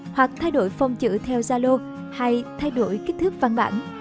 hoặc thay đổi phông chữ theo zalo hay thay đổi kích thước văn bản